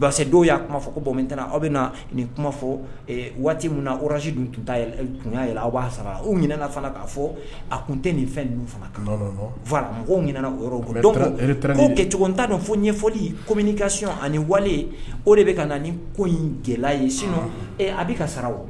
basi dɔw y'a kuma fɔ ko bɔ mint aw bɛ nin kuma fɔ waati min kosi dun tun tun aw b'a sɔrɔ u minɛn fana' fɔ a tun tɛ nin fɛn dun fana kan fara mɔgɔw minɛna o yɔrɔ bolo dɔw'o kɛcogo ta dɔn fo ɲɛfɔli ko ka sɔn ani wali o de bɛ ka na ni ko in gɛlɛya ye s a bɛ ka sara